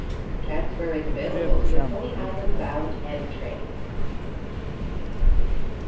og dregur saman ímillum onnur